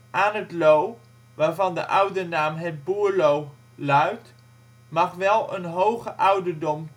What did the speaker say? Aan het Loo, waarvan de oude naam het " Boerlo " luidt, mag wel een hoge ouderdom